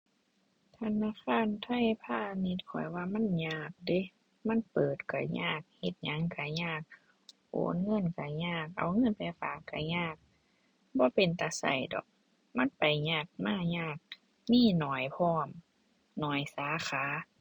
ธนาคารไทยพาณิชย์ข้อยว่ามันยากเดะ มันเปิดก็ยาก เฮ็ดหยังก็ยาก โอนเงินก็ยาก เอาเงินไปฝากก็ยาก บ่เป็นตาก็ดอก มันไปยากมายาก มีน้อยพร้อม น้อยสาขา